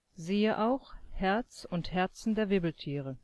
Siehe auch: Herz und Herzen der Wirbeltiere